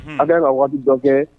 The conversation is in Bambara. A kan ka waati dɔ kɛ